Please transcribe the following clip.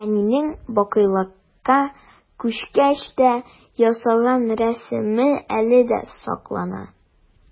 Әнинең бакыйлыкка күчкәч тә ясалган рәсеме әле дә саклана.